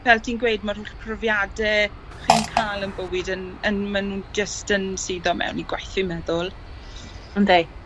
ffel ti'n gweud ma'r holl profiade chi'n ca'l yn bywyd yn yn ma' nw'n jyst yn suddo mewn i gwell fi'n meddwl. On 'ey.